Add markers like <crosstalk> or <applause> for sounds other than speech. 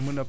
<hesitation> <hesitation>